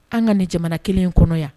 An ka nin jamana kelen kɔnɔ yan